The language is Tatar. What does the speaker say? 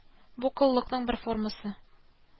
Җәүһәр кызарып китте.